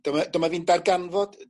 dyma dyma fi'n darganfod